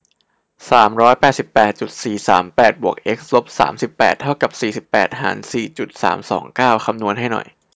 สามร้อยแปดสิบแปดจุดสี่สามแปดบวกเอ็กซ์ลบสามสิบแปดเท่ากับสี่สิบแปดหารสี่จุดสามสองเก้าคำนวณให้หน่อย